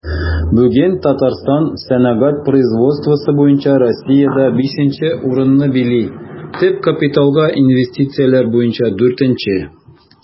Бүген Татарстан сәнәгать производствосы буенча Россиядә 5 нче урынны били, төп капиталга инвестицияләр буенча 4 нче.